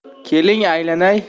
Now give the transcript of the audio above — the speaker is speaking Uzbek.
keling aylanay